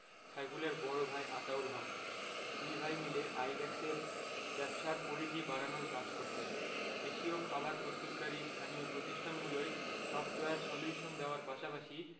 সাইফুলের বড় ভাই আতাউল হক দুই ভাই মিলে আইব্যাকসের ব্যবসার পরিধি বাড়ানোর কাজ করতেন এশীয় খাবার প্রস্তুতকারী স্থানীয় প্রতিষ্ঠানগুলোয় সফটওয়্যার সলিউশন দেওয়ার পাশাপাশি